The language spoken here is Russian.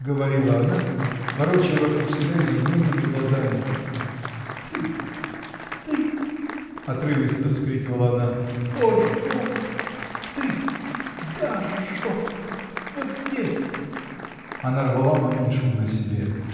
— говорила она, ворочая вокруг себя изумленными глазами. — Стыд. стыд. — отрывисто вскрикивала она. — Боже мой, стыд. да, жжет — вот здесь! Она рвала манишку на себе.